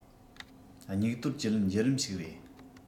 སྙིགས དོར བཅུད ལེན བརྒྱུད རིམ ཞིག རེད